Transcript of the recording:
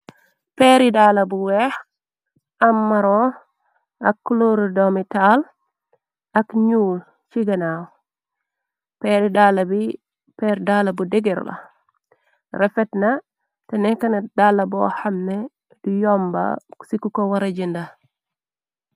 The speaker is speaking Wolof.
Peeri daala bu weex am maron ak clori domital ak nuul ci ganaaw peer daala bu deger la refet na te nekkna dala boo xamne du yomba ciku ko wara jinda.